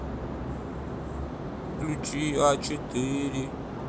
включи а четыре